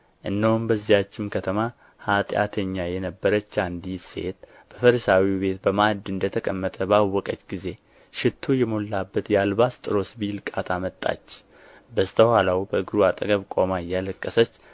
እነሆም በዚያች ከተማ ኃጢአተኛ የነበረች አንዲት ሴት በፈሪሳዊው ቤት በማዕድ እንደ ተቀመጠ ባወቀች ጊዜ ሽቱ የሞላበት የአልባስጥሮስ ቢልቃጥ አመጣች በስተ ኋላውም በእግሩ አጠገብ ቆማ እያለቀሰች